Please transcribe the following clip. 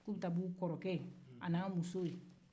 k'u bɛ taa bɔ u kɔrɔkɛ ye a n'a musow